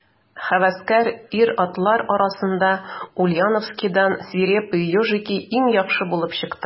Һәвәскәр ир-атлар арасында Ульяновскидан «Свирепые ежики» иң яхшы булып чыкты.